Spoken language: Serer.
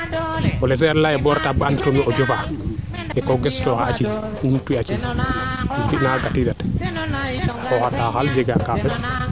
ole seereer a leya ye o retanga bo anda tiro me o jofa ko gestooxa a jinj numtu wi a cinj fi naaga gatiidat xoxanga jegat kaaf